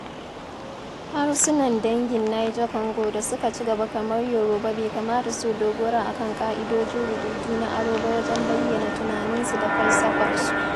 Harsunan dangin Niger-Congo da suka ci-gaba kamar Yoruba bai kamata su dogara a kan ƙa'idojin rubutu na aro ba wajen bayyana tunaninsu da falsafarsu.